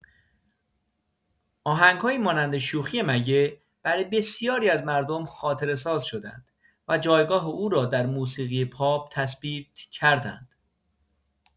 آهنگ‌هایی مانند شوخیه مگه برای بسیاری از مردم خاطره‌ساز شدند و جایگاه او را در موسیقی پاپ تثبیت کردند.